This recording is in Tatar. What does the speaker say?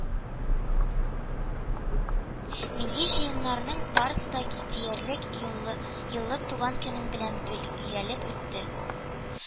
Милли җыеннарның барысы да диярлек еллык туган көнен билгеләп үтте